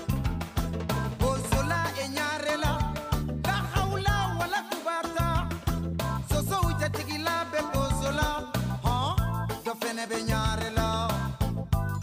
Bozla ɲare la ka an wula malo ba la sosow jatigi bɛ bola ka fana bɛ ɲare la